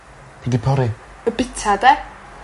P'un 'di pori? Y bita 'da?